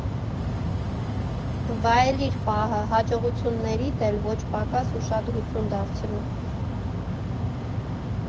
Վայելիր պահը, հաջողություններիդ էլ ոչ պակաս ուշադրություն դարձրու։